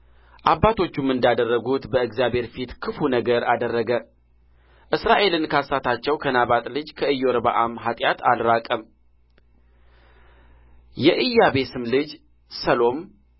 አባቶቹም እንዳደረጉት በእግዚአብሔር ፊት ክፉ ነገር አደረገ እስራኤልን ካሳታቸው ከናባጥ ልጅ ከኢዮርብዓም ኃጢአት አልራቀም የኢያቤስም ልጅ ሰሎም